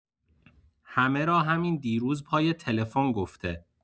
همه را همین دیروز پای تلفن گفته